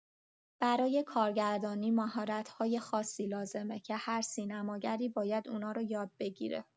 برای کارگردانی مهارت‌های خاصی لازمه که هر سینماگری باید اونا رو یاد بگیره.